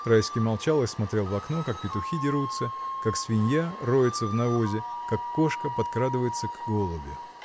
Райский молчал и смотрел в окно, как петухи дерутся, как свинья роется в навозе, как кошка подкрадывается к голубю.